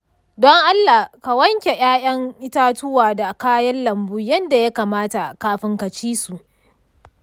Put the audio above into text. don allah ka wanke ‘ya’yan itatuwa da kayan lambu yadda ya kamata kafin ka ci su.